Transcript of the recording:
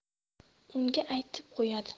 unga aytib qo'yadi